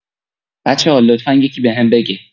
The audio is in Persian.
بچه‌ها لطفا یکی بهم بگه